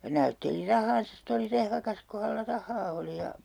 ja näytteli rahaansa sitten oli rehvakas kun hänellä rahaa oli ja